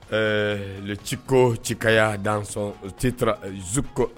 Ɛɛ ciko ci kayaa danson citura zzuko